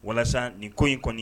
Walasa nin ko in kɔni